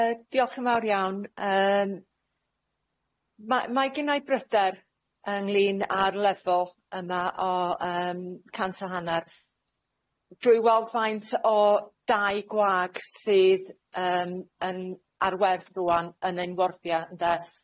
Yy diolch yn fawr iawn yym ma' mae gennai bryder ynglyn a'r lefel yma o yym cant a hanner drwy weld faint o dau gwag sydd yym yn ar werth rŵan yn ein ngwrddia ynde?